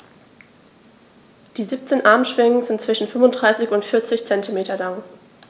Die 17 Armschwingen sind zwischen 35 und 40 cm lang.